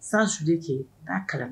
San su de kɛ'a kala